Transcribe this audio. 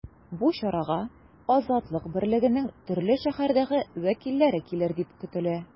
Бу чарага “Азатлык” берлегенең төрле шәһәрдәге вәкилләре килер дип көтелә.